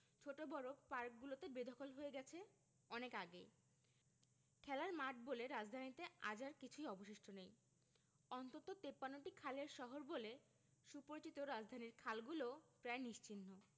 ছোট বড় পার্কগুলো বেদখল হয়ে গেছে অনেক আগেই খেলার মাঠ বলে রাজধানীতে আজ আর কিছু অবশিষ্ট নেই অন্তত ৫৩টি খালের শহর বলে সুপরিচিত রাজধানীর খালগুলোও প্রায় নিশ্চিহ্ন